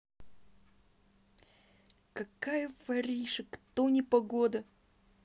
какая воришек кто непогода